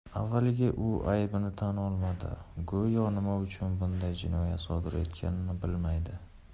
avvaliga u aybini tan olmaydi go'yo nima uchun bunday jinoyat sodir etganini bilmaydi